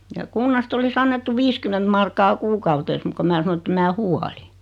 ja kunnasta olisi annettu viisikymmentä markkaa kuukaudessa mutta kun minä sanoin että en minä huoli